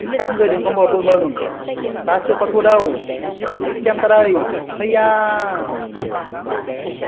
các ngươi đừng vội mừng ta chưa thua đâu hãy xem đây hây a